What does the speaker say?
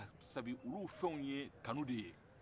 sadi olu fɛnw ye kannu de ye